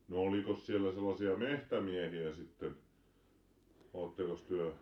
no olikos siellä sellaisia metsämiehiä sitten olettekos te